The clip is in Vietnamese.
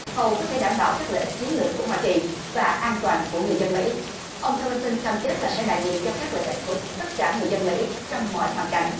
hầu có thể đảm bảo các lợi ích chiến lược của hoa kỳ và an toàn của người dân mỹ ông tiu lơ xơn cam kết là sẽ đại diện cho các lợi ích của tất cả người dân mỹ trong mọi hoàn cảnh